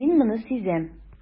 Мин моны сизәм.